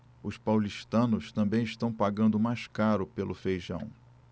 os paulistanos também estão pagando mais caro pelo feijão